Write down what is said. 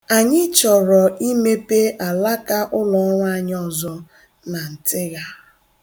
Anyị chọrọ imepe alaka ụlọọrụ anyị ọzọ na Ntịgha.